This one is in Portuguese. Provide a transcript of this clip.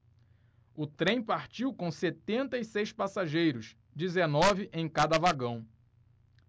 o trem partiu com setenta e seis passageiros dezenove em cada vagão